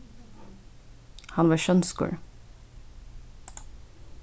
hann var sjónskur